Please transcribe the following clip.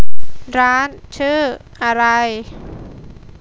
ร้านชื่ออะไร